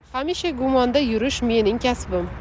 hamisha gumonda yurish mening kasbim